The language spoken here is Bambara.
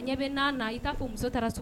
A ɲɛ bɛ n i t'a fɔ muso taara so